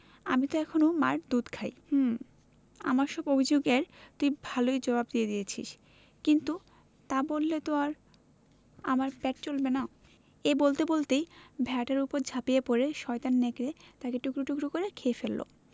আমি ত এখনো শুধু মার দুধ খাই হুম আমার সব অভিযোগ এর তুই ভালই জবাব দিয়ে দিয়েছিস কিন্তু তা বললে তো আর আমার পেট চলবে না এই বলতে বলতেই ভেড়াটার উপর ঝাঁপিয়ে পড়ে শয়তান নেকড়ে তাকে টুকরো টুকরো করে খেয়ে ফেলল